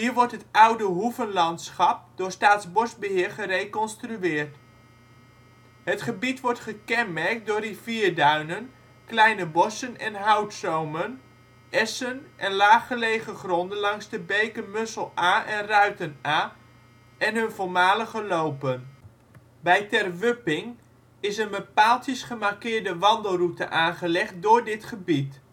wordt het oude hoevenlandschap door Staatsbosbeheer gereconstrueerd. Het gebied wordt gekenmerkt door rivierduinen, kleine bossen en houtzomen, essen en laag gelegen gronden langs de beken Mussel A en Ruiten Aa en hun voormalige lopen. Bij Ter Wupping is een met paaltjes gemarkeerde wandelroute aangelegd door dit gebied. Het